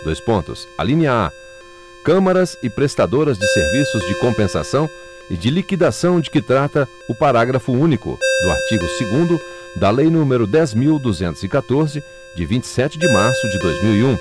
dois pontos alínea a câmaras e prestadoras de serviços de compensação e de liquidação de que trata o parágrafo único do artigo segundo da lei número dez mil duzentos e catorze de vinte e sete de março de dois mil e um